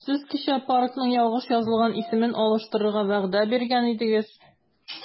Сез кичә паркның ялгыш язылган исемен алыштырырга вәгъдә биргән идегез.